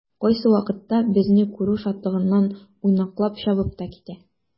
Кайсы вакытта безне күрү шатлыгыннан уйнаклап чабып та китә.